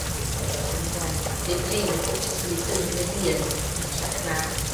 ac yy ag yn y blaen. 'dyn ma' rhein yn ffotos dwi 'di tynnu fy fy hun yn ytrach na